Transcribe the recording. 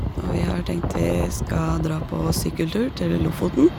Og vi har tenkt vi skal dra på sykkeltur til Lofoten.